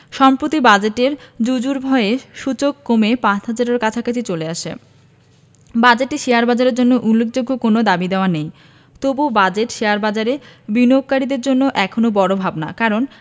সম্প্রতি বাজেটের জুজুর ভয়ে সূচক কমে ৫ হাজারের কাছাকাছি চলে আসে বাজেটে শেয়ারবাজারের জন্য উল্লেখযোগ্য কোনো দাবিদাওয়া নেই তবু বাজেট শেয়ারবাজারে বিনিয়োগকারীদের জন্য এখন বড় ভাবনা কারণ